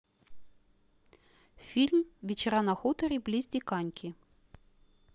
фильм вечера на хуторе близ диканьки